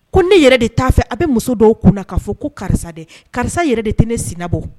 Ko ne yɛrɛ de t'a fɛ a bɛ muso dɔw kun na k'a fɔ ko karisa de karisa yɛrɛ de tɛ ne sinabɔ